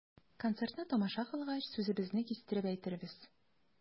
Концертны тамаша кылгач, сүзебезне кистереп әйтербез.